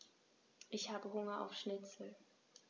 Ich habe Hunger auf Schnitzel.